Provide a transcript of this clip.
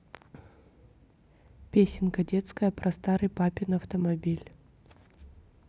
песенка детская про старый папин автомобиль